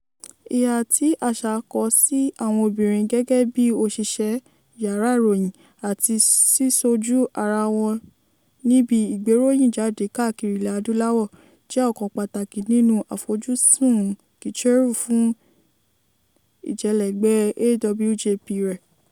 Ìhà tí àṣà kọ sí àwọn obìnrin - gẹ́gẹ́ bíi òṣìṣẹ́ yàrá ìròyìn, àti sísojú ara wọn níbi ìgbéròyìnjáde káàkiri ilẹ̀ Adúláwò - jẹ́ ọ̀kan pàtàkì nínú àfojúsùn Gicheru fún ìjẹ́lẹgbẹ́ AWJP rẹ̀.